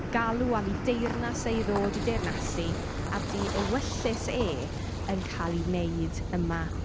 Galw am ei deyrnas e i ddod i deyrnasu, a bod ei ewyllys e yn cael ei wneud yma.